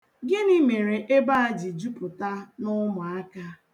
Gịnị mere ebe a ji jupụta na ụmụaka?